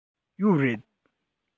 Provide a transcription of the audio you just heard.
ཡོད རེད